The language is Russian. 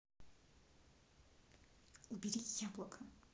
убери яблоко